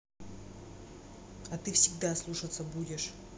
а ты всегда слушаться будешь